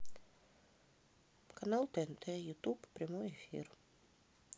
канал тнт ютуб прямой эфир